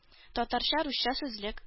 Татарча-русча сүзлек